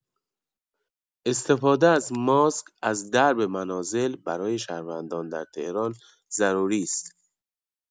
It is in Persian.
استفاده از ماسک از درب منازل برای شهروندان در تهران ضروری است.